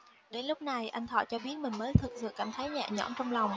đến lúc này anh thọ cho biết mình mới thật sự cảm thấy nhẹ nhõm trong lòng